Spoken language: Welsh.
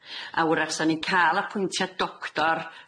A wrach sa ni'n ca'l apwyntiad doctor